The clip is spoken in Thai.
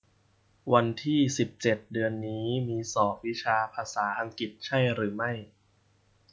วันที่สิบเจ็ดเดือนนี้มีสอบวิชาภาษาอังกฤษใช่หรือไม่